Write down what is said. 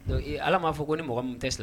Donc ee allah m'a fɔ ko ni mɔgɔ mun tɛ